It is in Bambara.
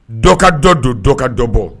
Dɔ ka dɔ don dɔ ka dɔ bɔ